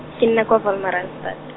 ke nna kwa Wolmaranstad.